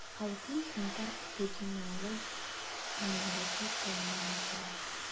Халыкның санитар-эпидемиологик иминлеге тәэмин ителә.